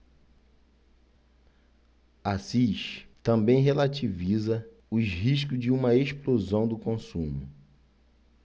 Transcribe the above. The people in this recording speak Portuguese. assis também relativiza os riscos de uma explosão do consumo